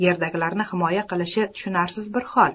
yerliklarni himoya qilishi tushunarsiz bir hol